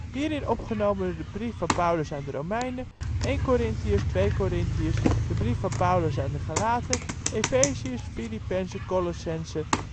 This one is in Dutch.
Hierin opgenomen de brief van Paulus aan de Romeinen, 1 Korintiërs, 2 Korintiërs, brief van Paulus aan de Galaten, Efeziërs, Filippenzen, Kolossenzen